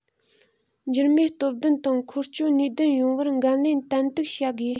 འགྱུར མེད སྟོབས ལྡན དང འཁོར སྐྱོད ནུས ལྡན ཡོང བར འགན ལེན ཏན ཏིག བྱ དགོས